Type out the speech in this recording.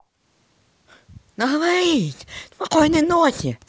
договорились спокойной ночи